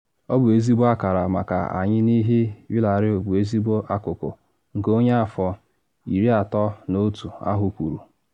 “Ọ bụ ezigbo akara maka anyị n’ihi Villareal bụ ezigbo akụkụ,” nke onye afọ 31 ahụ kwuru.